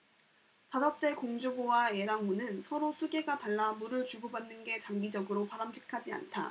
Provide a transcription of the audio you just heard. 다섯째 공주보와 예당호는 서로 수계가 달라 물을 주고받는 게 장기적으로 바람직하지 않다